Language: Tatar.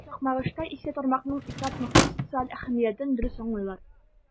Чакмагышта исә тармакның ифрат мөһим социаль әһәмиятен дөрес аңлыйлар.